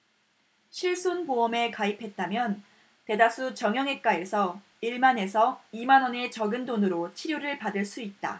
실손보험에 가입했다면 대다수 정형외과에서 일 만 에서 이 만원의 적은 돈으로 치료를 받을 수 있다